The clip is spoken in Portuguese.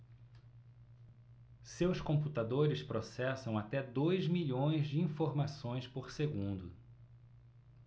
seus computadores processam até dois milhões de informações por segundo